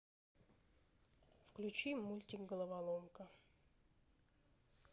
включи мультик головоломка